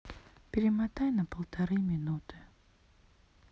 перемотай на полторы минуты